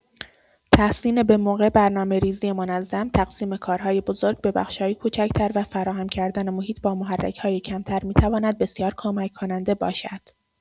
تحسین به‌موقع، برنامه‌ریزی منظم، تقسیم کارهای بزرگ به بخش‌های کوچکتر و فراهم کردن محیط با محرک‌های کمتر می‌تواند بسیار کمک‌کننده باشد.